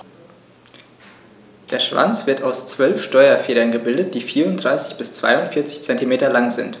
Der Schwanz wird aus 12 Steuerfedern gebildet, die 34 bis 42 cm lang sind.